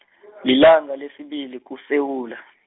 lilanga lesibili kuSewula.